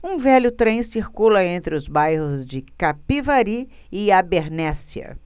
um velho trem circula entre os bairros de capivari e abernéssia